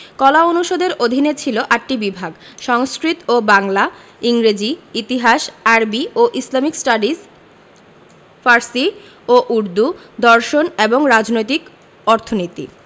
কলা অনুষদের অধীনে ছিল ৮টি বিভাগ সংস্কৃত ও বাংলা ইংরেজি ইতিহাস আরবি ও ইসলামিক স্টাডিজ ফার্সি ও উর্দু দর্শন এবং রাজনৈতিক অর্থনীতি